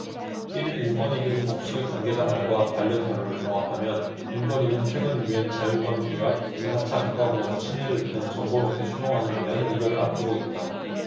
일 일 인권위 등 복수의 관계자 말과 관련 자료를 종합하면 인권위는 최근 유엔 자유권규약 제 사 차 국가보고서 심의를 위한 정보노트 최종안을 마련 의결을 앞두고 있다